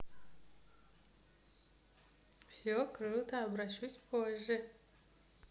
все круто обращусь позже